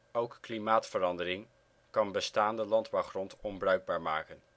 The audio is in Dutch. Ook klimaatverandering kan bestaande landbouwgrond onbruikbaar maken